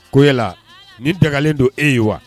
Koy ni dagalen don e ye wa